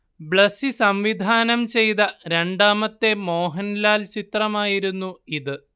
ബ്ലെസ്സി സംവിധാനം ചെയ്ത രണ്ടാമത്തെ മോഹൻലാൽ ചിത്രമായിരുന്നു ഇത്